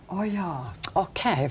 å ja ok.